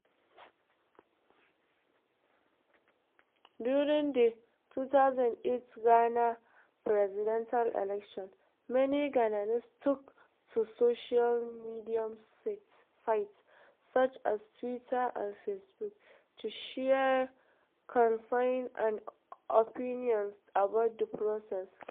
During the 2008 Ghana Presidential elections, many Ghanaians took to social media sites such as Twitter and Facebook to share concerns and opinions about the process.